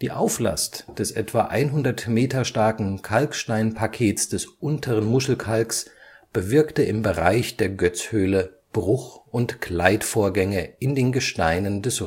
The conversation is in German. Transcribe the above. Auflast des etwa 100 Meter starken Kalksteinpakets des Unteren Muschelkalks bewirkte im Bereich der Goetz-Höhle Bruch - und Gleitvorgänge in den Gesteinen des